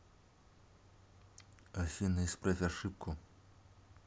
афина исправь ошибку